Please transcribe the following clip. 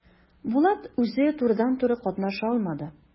Булат үзе турыдан-туры катнаша алмады.